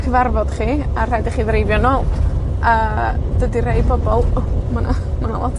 cyfarfod chi, a raid i chi ddreifio nôl, a dydi rhei bobol... O ma', ma' 'na lot